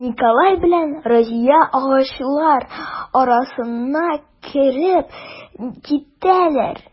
Николай белән Разия агачлар арасына кереп китәләр.